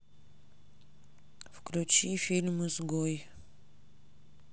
включи фильм изгой